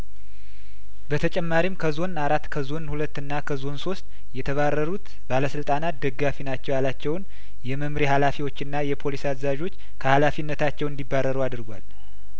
በተጨማሪም ከዞን አራት ከዞን ሁለትና ከዞን ሶስት የተባረሩት ባለስልጣናት ደጋፊ ናቸው ያላቸውን የመምሪያ ሀላፊዎችና የፖሊስ አዛዦች ከሀላፊነታቸው እንዲባረሩ አድርጓል